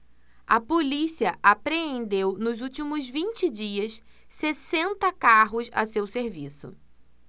a polícia apreendeu nos últimos vinte dias sessenta carros a seu serviço